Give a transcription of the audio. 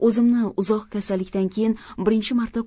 o'zimni uzoq kasallikdan keyin birinchi marta ko'chaga